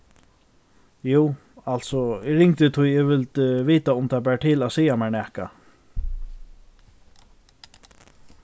jú altso eg ringdi tí eg vildi vita um tað bar til at siga mær nakað